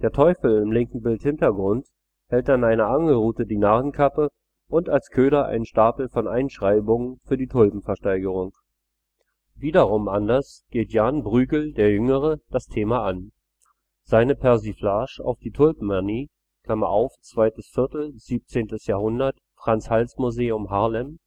Teufel im linken Bildhintergrund hält an einer Angelrute die Narrenkappe und als Köder einen Stapel von Einschreibungen für die Tulpenversteigerung. Wiederum anders geht Jan Brueghel der Jüngere das Thema an. Seine Persiflage auf die Tulpomanie (2. Viertel 17. Jahrhundert, Frans-Hals-Museum, Haarlem